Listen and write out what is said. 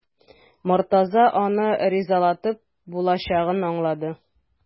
Мортаза аны ризалатып булачагын аңлады.